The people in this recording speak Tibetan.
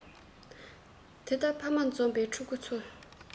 ད ལྟར ཕ མ འཛོམས པའི ཕྲུ གུ ཚོ